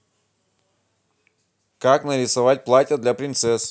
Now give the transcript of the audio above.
как нарисовать платья для принцесс